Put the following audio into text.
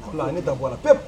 A ni ta bɔrawara pe